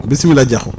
bisimilah Diakhou